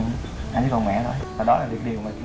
anh chỉ còn mẹ thôi và đó là những điều